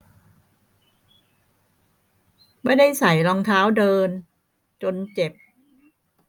ไม่ได้ใส่รองเท้าเดินจนเจ็บ